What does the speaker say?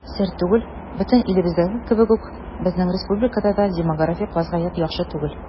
Сер түгел, бөтен илебездәге кебек үк безнең республикада да демографик вазгыять яхшы түгел.